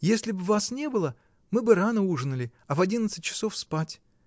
— Если б вас не было, мы бы рано ужинали, а в одиннадцать часов спать